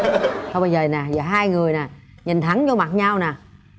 thôi bây giờ này hai người này nhìn thẳng vô mặt nhau này